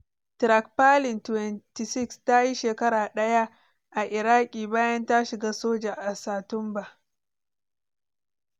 Track Palin, 26, ta yi shekara daya a Iraki bayan ta shiga soja a Satumba.